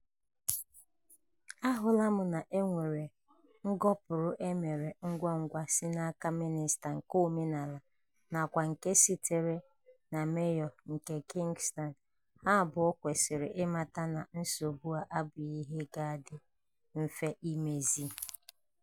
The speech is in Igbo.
Ahụla m na e nwere ngọpụrụ e mere ngwangwa si n'aka Mịnịsta nke Omenala nakwa nke sitere na Meyọ nke Kingston. Ha abụọ kwesịrị ịmata na nsogbu a abụghị ihe ga-adị mfe imezi.